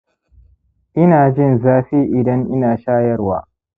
inajin zafi idan ina shayarwa